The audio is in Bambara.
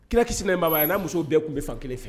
Kira kisi ba a n'a musow bɛɛ tun bɛ fan kelen fɛ